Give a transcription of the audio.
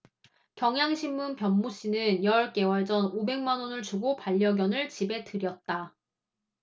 경향신문 변모씨는 열 개월 전 오백 만원을 주고 반려견을 집에 들였다